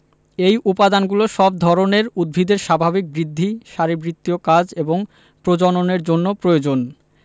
এই উপাদানগুলো সব ধরনের উদ্ভিদের স্বাভাবিক বৃদ্ধি শারীরবৃত্তীয় কাজ এবং প্রজননের জন্য প্রয়োজন